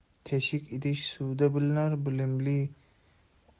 teshik idish suvda bilinar